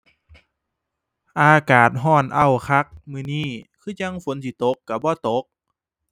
อากาศร้อนอ้าวคักมื้อนี้ คือจั่งฝนสิตกร้อนบ่ตก